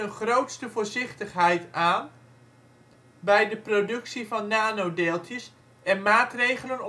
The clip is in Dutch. grootste voorzichtigheid aan bij de productie van nanodeeltjes en maatregelen